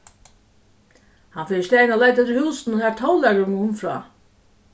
hann fer í staðin at leita eftir húsunum har tónleikurin kom frá